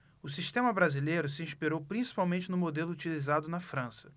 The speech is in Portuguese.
o sistema brasileiro se inspirou principalmente no modelo utilizado na frança